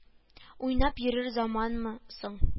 Уйнап йөрер заманмы соң